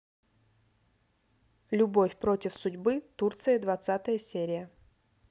любовь против судьбы турция двадцатая серия